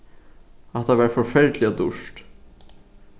hatta var forferdiliga dýrt